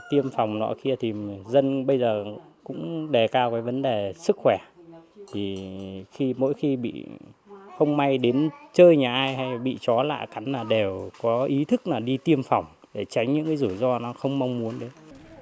tiêm phòng nọ kia thì dân bây giờ cũng đề cao về vấn đề sức khỏe thì khi mỗi khi bị không may đến chơi nhà ai hay bị chó lạ cắn là đều có ý thức là đi tiêm phòng để tránh những rủi ro không mong muốn đến